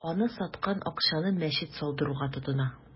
Аны саткан акчаны мәчет салдыруга тотына.